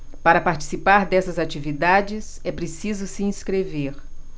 para participar dessas atividades é preciso se inscrever